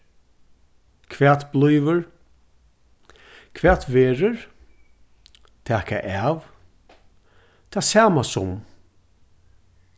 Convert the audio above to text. hvat blívur hvat verður taka av tað sama sum